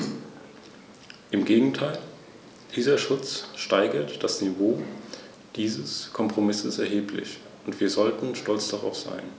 Endlich gibt es jetzt für jede Beförderungsart eine jeweilige Verordnung über Fahrgastrechte.